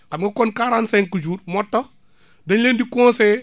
xam nga quarante cinq jours moo tax dañ leen di conseillé